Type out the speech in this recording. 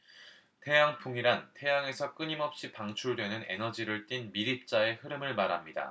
태양풍이란 태양에서 끊임없이 방출되는 에너지를 띤 미립자의 흐름을 말합니다